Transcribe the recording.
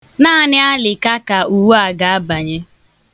Naanị alịka ka uwe a ga-abanye.